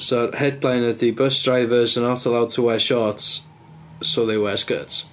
So yr headline ydy Bus drivers are not allowed to wear shorts so they wear skirts.